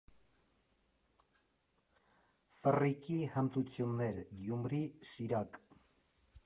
Ֆռռիկի հմտություններ, Գյումրի, Շիրակ։